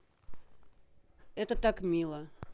это так мило